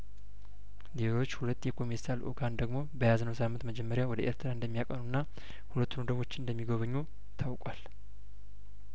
ሌሎች ሁለት የኮሜሳ ልኡካን ደግሞ በያዝነው ሳምንት መጀመሪያወደ ኤርትራ እንደሚያቀኑና ሁለቱን ወደቦች እንደሚጐበኙ ታውቋል